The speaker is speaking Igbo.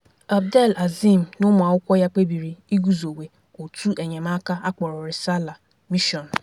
Abdel-Azim na ụmụ akwụkwọ ya kpebiri iguzowe òtù enyemaka akpọrọ Resala (Mission).